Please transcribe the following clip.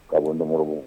Ka bɔ dɔnɔrɔbɔ